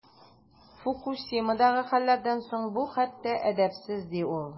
Фукусимадагы хәлләрдән соң бу хәтта әдәпсез, ди ул.